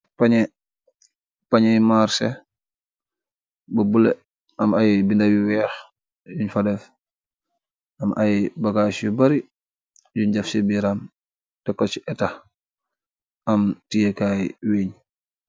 Pañey marse bu bulo, am ay binda yu weex, yuñ fa deef am ay bakaas yu bari , yu jaf ci biiram te ko ci etax am tiyeekaay wiiñ.